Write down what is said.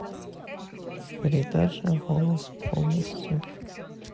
передача голос полностью